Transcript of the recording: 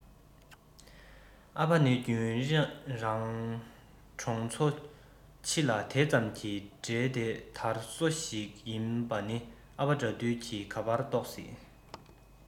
ཨ ཕ ནི རྒྱུན རང གྲོང ཚོ ཕྱི ལ དེ ཙམ གྱི འབྲེལ དེ དར སོ ཞིག ཡིན པ ནི ཨ ཕ དགྲ འདུལ གི ག པར རྟོག སྲིད